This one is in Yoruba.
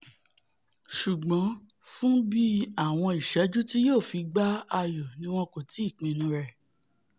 Ṣùgbọ́n fún bí àwọn ìṣẹ́jú tí yóò fi gbá ayò níwọn kò tíì pinnu rẹ̀.